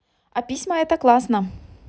а письма это классно